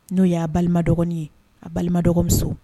N'o y'a balima dɔgɔnin ye a balima dɔgɔmi